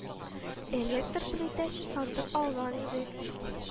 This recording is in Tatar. Электр плитәсе сатып алган идек